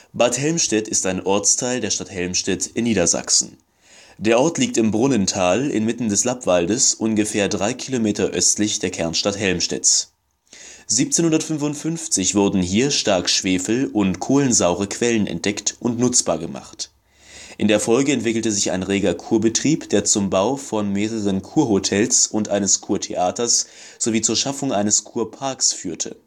Bad Helmstedt ist ein Ortsteil der Stadt Helmstedt in Niedersachsen. Der Ort liegt im „ Brunnental “inmitten des Lappwaldes ungefähr drei Kilometer östlich der Kernstadt Helmstedts. 1755 wurden hier stark schwefel - und kohlensaure Quellen entdeckt und nutzbar gemacht. In der Folge entwickelte sich ein reger Kurbetrieb, der zum Bau von mehreren Kurhotels und eines Kurtheaters sowie zur Schaffung eines Kurparks führte